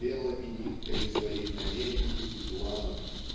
белыми нитками своих намерений и планов